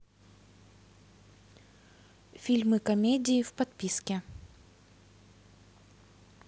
фильмы комедии в подписке